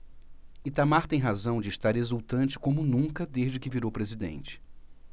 itamar tem razão de estar exultante como nunca desde que virou presidente